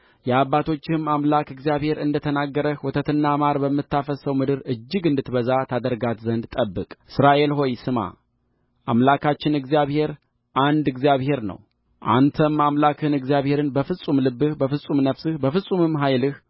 የአባቶችህም አምላክ እግዚአብሔር እንደ ተናገረ ወተትና ማር በምታፈስሰው ምድር እጅግ እንድትበዛ ታደርጋት ዘንድ ጠብቅእስራኤል ሆይ ስማ አምላካችን እግዚአብሔር አንድ እግዚአብሔር ነውአንተም አምላክህን እግዚአብሔርን በፍጹም ልብህ በፍጹምም ነፍስህ በፍጹምም ኃይልህ